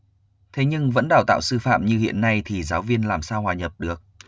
thế nhưng vẫn đào tạo sư phạm như hiện nay thì giáo viên làm sao hòa nhập được